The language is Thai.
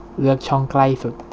เลือกช่องใกล้สุด